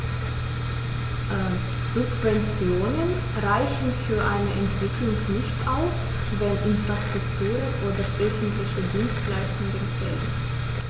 Subventionen reichen für eine Entwicklung nicht aus, wenn Infrastrukturen oder öffentliche Dienstleistungen fehlen.